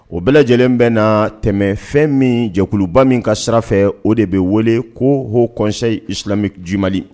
O bɛɛ lajɛlen bɛ na tɛmɛ fɛn min jɛkuluba min ka sira fɛ o de bɛ wele ko hɔ kɔnɛ silamɛmi j